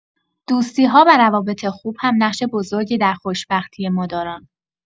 دوستی‌ها و روابط خوب هم نقش بزرگی در خوشبختی ما دارن.